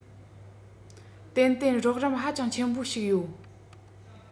ཏན ཏན རོགས རམ ཧ ཅང ཆེན པོ ཞིག ཡོད